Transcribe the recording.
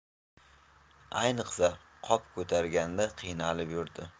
ayniqsa qop ko'targanda qiynalib yurdi